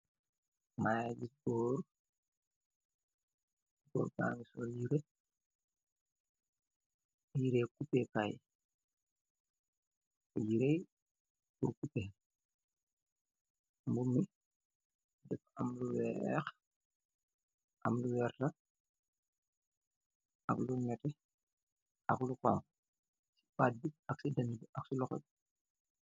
Maangy gis gorre, gorre bangy sol yehreh, yehreh coupeh kaii, yehreh pur coupeh, mboum bi dafa am lu wekh, am lu vertah, ak lu nehteh ak lu honhu chi baaht bi ak chi dehnah bi ak chi lokhor bii.